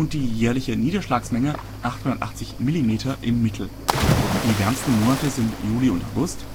die jährliche Niederschlagsmenge 880 Millimeter im Mittel. Die wärmsten Monate sind Juli und August